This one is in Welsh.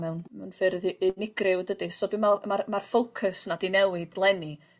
mewn mewn ffyrdd u- unigryw dydi so dwi me'wl ma'r ma'r focus 'na 'di newid leni